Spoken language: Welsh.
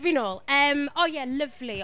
Fi nôl. Yym, o ie, lyfli.